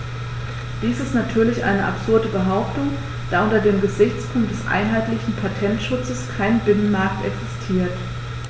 Dies ist natürlich eine absurde Behauptung, da unter dem Gesichtspunkt des einheitlichen Patentschutzes kein Binnenmarkt existiert.